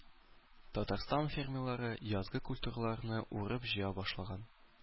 Татарстан фермерлары язгы культураларны урып-җыя башлаган.